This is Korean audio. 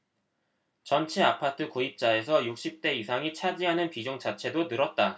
전체 아파트 구입자에서 육십 대 이상이 차지하는 비중 자체도 늘었다